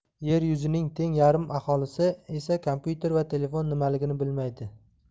yer yuzining teng yarim aholisi esa kompyuter va telefon nimaligini bilmaydi